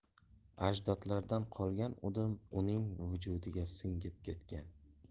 ajdodlardan qolgan udum uning vujudiga singib ketgan